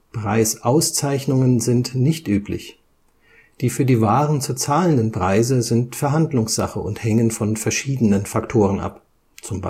Preisauszeichnungen sind nicht üblich, die für die Waren zu zahlenden Preise sind Verhandlungssache und hängen von verschiedenen Faktoren ab